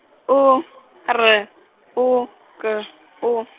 U R U K U.